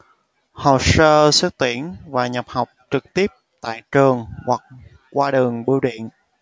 hồ sơ xét tuyển và nhập học trực tiếp tại trường hoặc qua đường bưu điện